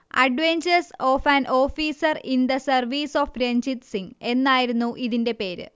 adventures of an officer in the service of Ranjit Singh എന്നായിരുന്നു ഇതിന്റെ പേര്